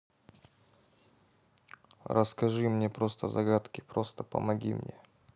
расскажи мне просто загадки просто помоги мне